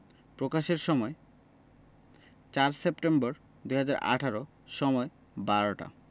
প্রকাশের সময়ঃ ৪ সেপ্টেম্বর ২০১৮ সময়ঃ ১২টা